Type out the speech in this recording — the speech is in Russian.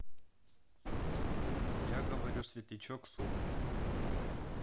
я говорю светлячок суп